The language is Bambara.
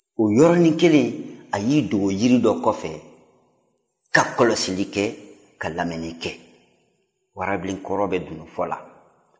o yɔrɔnin kelen a y'i dogo jiri dɔ kɔfɛ ka kɔlɔsili kɛ ka lamɛnni kɛ warabilenkɔrɔ bɛ dununfɔla